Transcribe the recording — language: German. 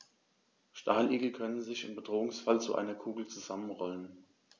Stacheligel können sich im Bedrohungsfall zu einer Kugel zusammenrollen.